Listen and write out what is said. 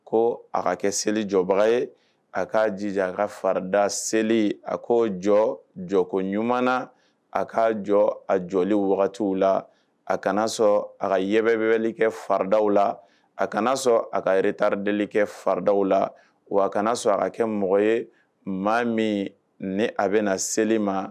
Ko a ka kɛ seli jɔbaga ye a k kaa jija a ka farida seli a ko jɔ jɔko ɲuman na a k' jɔ a jɔ wagatiw la a kana sɔrɔ a ka yɛrɛ bɛele kɛ faridaw la a kanaa sɔrɔ a ka yɛrɛta deli kɛ faradaw la wa a kana sɔrɔ a kɛ mɔgɔ ye maa min ni a bɛna na seli ma